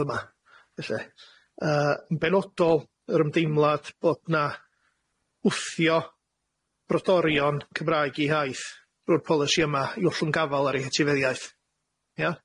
fyma felly yy yn benodol yr ymdeimlad bod na wthio brodorion Cymraeg i haith drw'r polisi yma i ollwng gafal ar ei hetifeddiaeth ia?